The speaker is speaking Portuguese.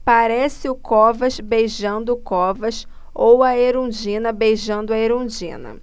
parece o covas beijando o covas ou a erundina beijando a erundina